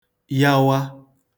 yawa